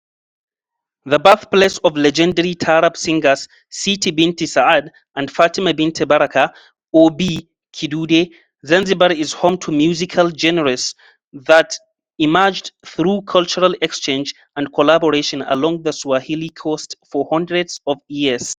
The birthplace of legendary taarab singers Siti Binti Saad and Fatuma Binti Baraka, or Bi. Kidude, Zanzibar is home to musical genres that emerged through cultural exchange and collaboration along the Swahili Coast for hundreds of years.